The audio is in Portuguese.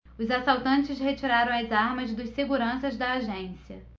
os assaltantes retiraram as armas dos seguranças da agência